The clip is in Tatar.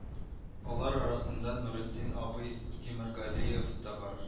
Алар арасында нуретдин абый тимергалеев та бар